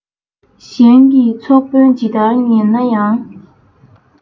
གཞན གྱི ཚོགས དཔོན ཇི ལྟར ངན ན ཡང